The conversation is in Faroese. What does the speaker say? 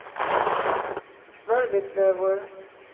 svørvisvegur